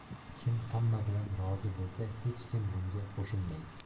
kim hamma bilan rozi bo'lsa hech kim bunga qo'shilmaydi